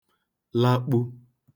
lakpu